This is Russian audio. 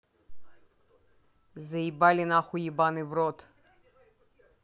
заебали нахуй ебаный в рот